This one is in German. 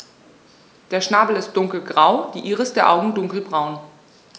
Der Schnabel ist dunkelgrau, die Iris der Augen dunkelbraun.